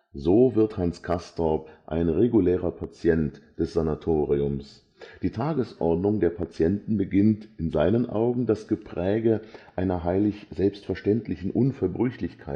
So wird Hans Castorp ein regulärer Patient des Sanatoriums. Die Tagesordnung der Patienten beginnt, „ in seinen Augen das Gepräge einer heilig-selbstverständlichen Unverbrüchlichkeit